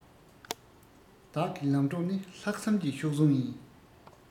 བདག གི ལམ གྲོགས ནི ལྷག བསམ གྱི གཤོག ཟུང ཡིན